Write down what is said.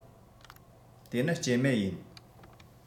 དེ ནི སྐྱེད མེད ཡིན